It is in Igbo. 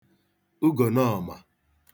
ugònọọ̀mà